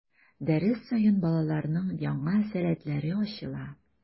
Дәрес саен балаларның яңа сәләтләре ачыла.